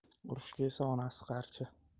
urushga esa onasi qarshi